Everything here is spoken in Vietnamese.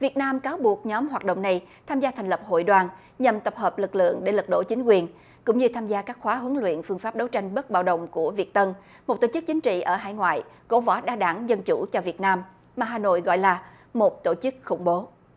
việt nam cáo buộc nhóm hoạt động này tham gia thành lập hội đoàn nhằm tập hợp lực lượng để lật đổ chính quyền cũng như tham gia các khóa huấn luyện phương pháp đấu tranh bất bạo động của việt tân một tổ chức chính trị ở hải ngoại cổ võ đa đảng dân chủ cho việt nam mà hà nội gọi là một tổ chức khủng bố